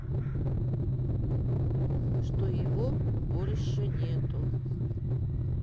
что еще больше нету